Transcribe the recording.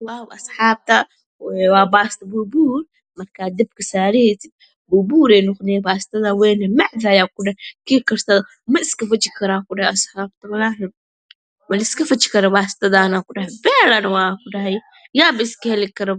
Waw asaxabta waa basto buur buur